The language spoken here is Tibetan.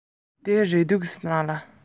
བརྗེད པ གྱུར ནས ཐན ཕྲུག